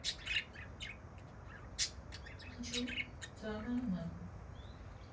Ինչո՞ւ՝ զարմանում եմ։